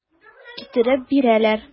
Китереп бирәләр.